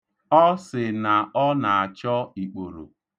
Ọ sị na ọ na-achọ ikporo.